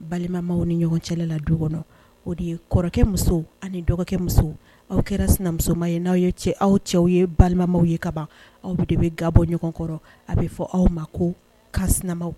Balimama ni ɲɔgɔn cɛla la du kɔnɔ o de ye kɔrɔkɛ musow ani dɔgɔkɛ musow aw kɛra sinamusoma ye n awaw ye cɛ aw cɛw ye balimamaw ye ka ban aw de de bɛ ga bɔ ɲɔgɔn kɔrɔ a bɛ fɔ aw ma ko ka sina